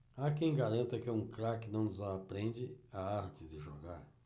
há quem garanta que um craque não desaprende a arte de jogar